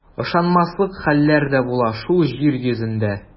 Ышанмаслык хәлләр дә була шул җир йөзендә.